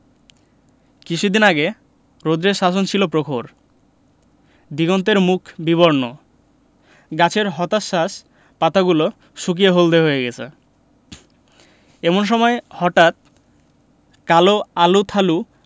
কিছুদিন আগে রৌদ্রের শাসন ছিল প্রখর দিগন্তের মুখ বিবর্ণ গাছের হতাশ্বাস পাতাগুলো শুকিয়ে হলদে হয়ে গেছে এমন সময় হঠাৎ কাল আলুথালু